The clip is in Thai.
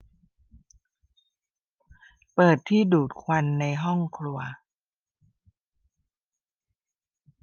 เปิดที่ดูดควันในห้องครัว